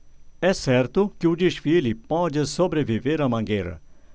é certo que o desfile pode sobreviver à mangueira